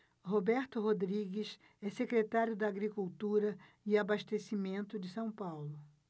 roberto rodrigues é secretário da agricultura e abastecimento de são paulo